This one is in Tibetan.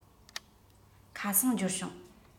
ཁ སང འབྱོར བྱུང